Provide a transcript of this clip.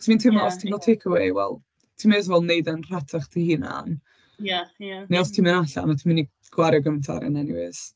Achos dwi'n teimlo... ie ie. ...os ti'n gael takeaway, wel ti may as well wneud e yn rhatach dy hunan... ie ie. ...Neu os ti'n mynd allan, wyt ti'n mynd i gwario gymaint o arian anyways.